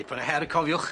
Dipyn o her cofiwch.